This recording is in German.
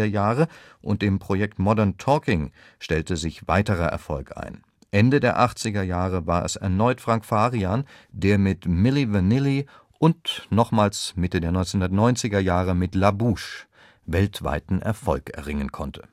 1980er-Jahre und dem Projekt Modern Talking stellte sich weiterer Erfolg ein. Ende der achtziger Jahre war es erneut Frank Farian, der mit Milli Vanilli – und nochmals Mitte der 1990er-Jahre mit La Bouche – weltweiten Erfolg erringen konnte